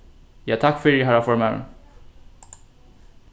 ja takk fyri harra formaður